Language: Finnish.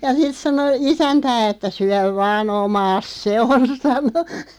ja sitten sanoi isäntää että syö vain omaasi se on sanoi